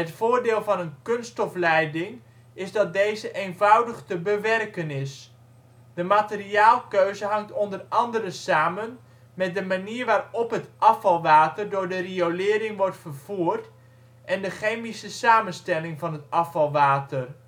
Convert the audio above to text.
voordeel van een kunststof leiding is dat deze eenvoudig te bewerken is. De materiaalkeuze hangt o.a. samen met de manier waarop het afvalwater door de riolering wordt vervoerd en de chemische samenstelling van het afvalwater